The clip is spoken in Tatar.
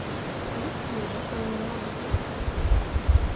Син миңа таяна аласың.